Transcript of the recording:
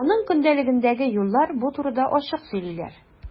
Аның көндәлегендәге юллар бу турыда ачык сөйлиләр.